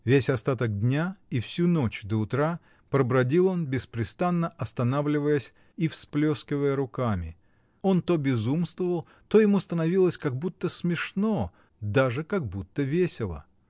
Весь остаток дня и всю ночь до утра пробродил он, беспрестанно останавливаясь и всплескивая руками: он то безумствовал, то ему становилось как будто смешно, даже как будто весело.